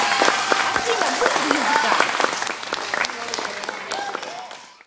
афина выйди языка